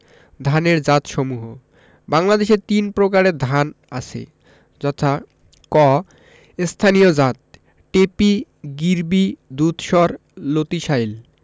ধানের জাতসমূহঃ বাংলাদেশে তিন প্রকারের ধান আছে যথা ক স্থানীয় জাতঃ টেপি গিরবি দুধসর লতিশাইল